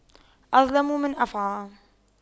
أظلم من أفعى